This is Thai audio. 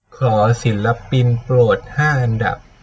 ขอศิลปินโปรดห้าอันดับ